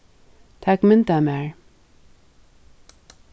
tak mynd av mær